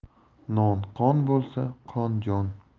non qon bo'lsa qon jon